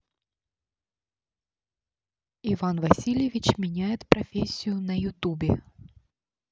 иван васильевич меняет профессию на ютубе